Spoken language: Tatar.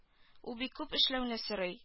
Ул бик күп эшләүне сорый